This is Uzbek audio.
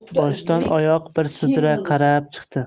boshdan oyoq bir sidra qarab chiqdi